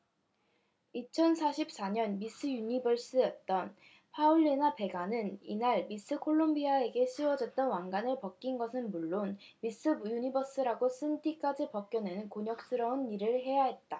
이천 십 사 년 미스 유니버스였던 파울리나 베가는 이날 미스 콜롬비아에게 씌워줬던 왕관을 벗긴 것은 물론 미스 유니버스라고 쓴 띠까지 벗겨내는 곤혹스런 일을 해야 했다